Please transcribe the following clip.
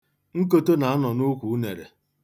Nkoto na-anọ n'ukwu unere.